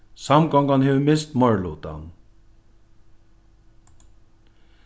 samgongan hevur mist meirilutan